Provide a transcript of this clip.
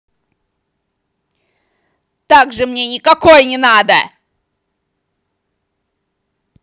также мне никакой не надо